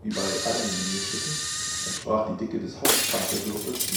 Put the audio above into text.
bei allen Linienschiffen entsprach die Dicke des Hauptpanzergürtels